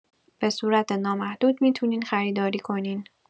بصورت نامحدود می‌تونین خریداری کنین